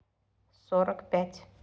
сорок пять